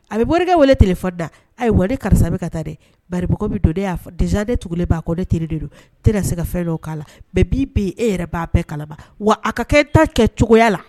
A bɛ bɔkɛ wele tele fɔ da ayi waden karisa bɛ ka taa dɛ bara bɛ don de y'a dezsa de tugu' ko ne t de don te se ka fɛn dɔ' la bɛɛ' bɛ e yɛrɛ b'a bɛɛ kalaba wa a ka kɛ ta kɛ cogoya la